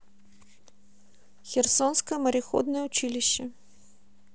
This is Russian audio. херсонское мореходное училище